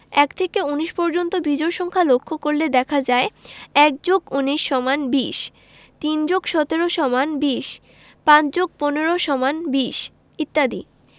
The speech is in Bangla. ১ থেকে ১৯ পর্যন্ত বিজোড় সংখ্যা লক্ষ করলে দেখা যায় ১+১৯=২০ ৩+১৭=২০ ৫+১৫=২০ ইত্যাদি